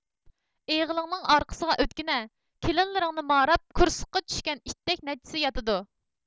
ئېغىلىڭنىڭ ئارقىسىغا ئۆتكىنە كېلىنلىرىڭنى ماراپ كۇرسۇكقا چۈشكەن ئىتتەك نەچچىسى ياتىدۇ